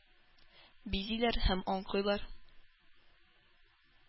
Бизиләр һәм аңкыйлар?!